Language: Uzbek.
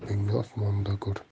do'ppingni osmonda ko'r